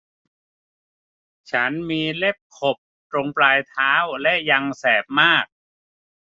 ฉันมีเล็บขบตรงปลายเท้าและยังแสบมาก